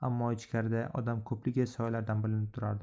ammo ichkarida odam ko'pligi soyalardan bilinib turardi